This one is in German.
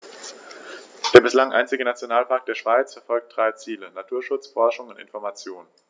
Der bislang einzige Nationalpark der Schweiz verfolgt drei Ziele: Naturschutz, Forschung und Information.